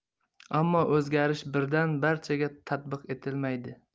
ammo o'zgarish birdan barchaga tatbiq etilmaydi